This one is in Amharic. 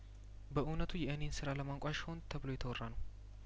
በእውነቱ የእኔን ስራ ለማንቋሸሽ ሆን ተብሎ የተወራ ነው